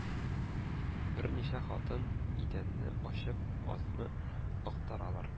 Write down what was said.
Берничә хатын, идәнне ачып, базны актаралар